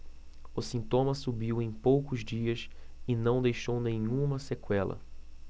o sintoma sumiu em poucos dias e não deixou nenhuma sequela